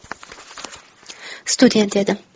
student edim